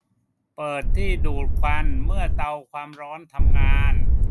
เปิดที่ดูดควันเมื่อเตาความร้อนทำงาน